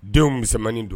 Denw misɛnmanin don.